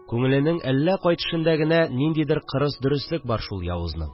Күңеленең әллә кай төшендә генә ниндидер кырыс дөреслек бар шул явызның